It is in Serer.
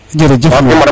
jerejef